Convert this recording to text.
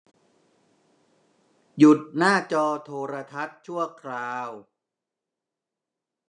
หยุดหน้าจอโทรทัศน์ชั่วคราว